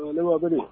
Ma koyi